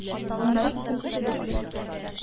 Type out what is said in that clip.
Аннары икенчесе дә килеште.